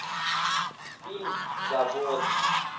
фильм завод